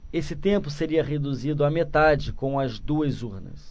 esse tempo seria reduzido à metade com as duas urnas